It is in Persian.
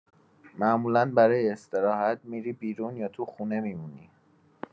معمولا برای استراحت می‌ری بیرون یا تو خونه می‌مونی؟